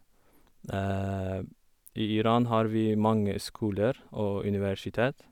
I Iran har vi mange skoler og universitet.